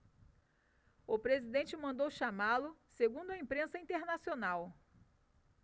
o presidente mandou chamá-lo segundo a imprensa internacional